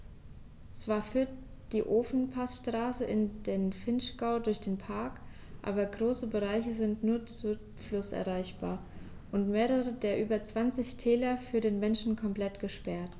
Zwar führt die Ofenpassstraße in den Vinschgau durch den Park, aber große Bereiche sind nur zu Fuß erreichbar und mehrere der über 20 Täler für den Menschen komplett gesperrt.